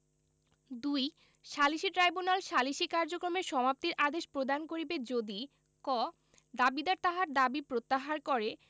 ২ সালিসী ট্রাইব্যুনাল সালিসী কার্যক্রমের সমাপ্তির আদেশ প্রদান করিবে যদি ক দাবীদার তাহার দাবী প্রত্যাহার করে